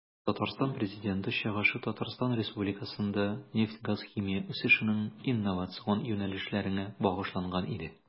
ТР Президенты чыгышы Татарстан Республикасында нефть-газ химиясе үсешенең инновацион юнәлешләренә багышланган иде.